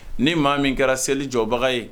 Ni maa min kɛra seli jɔbaga ye